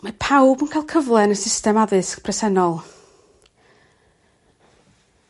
Mae pawb yn ca'l cyfle yn y system addysg presennol.